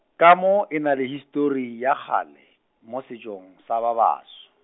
kamo e na le histori ya kgale, mo setšong sa babaso.